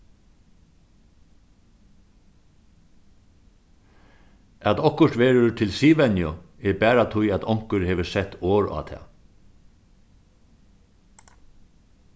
at okkurt verður til siðvenju er bara tí at onkur hevur sett orð á tað